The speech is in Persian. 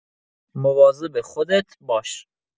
مواظب خودت باش.